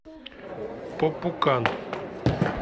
попукан